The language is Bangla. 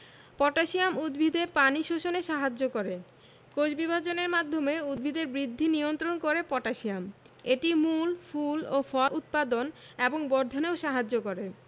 পটাশিয়াম উদ্ভিদে পানি শোষণে সাহায্য করে কোষবিভাজনের মাধ্যমে উদ্ভিদের বৃদ্ধি নিয়ন্ত্রণ করে পটাশিয়াম এটি মূল ফুল ও ফল উৎপাদন এবং বর্ধনেও সাহায্য করে